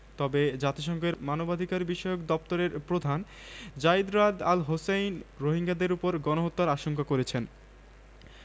তবে জাতিসংঘের মানবাধিকারবিষয়ক দপ্তরের প্রধান যায়িদ রাদ আল হোসেইন রোহিঙ্গাদের ওপর গণহত্যার আশঙ্কা করেছেন